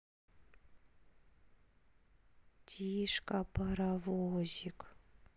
тишка паровозик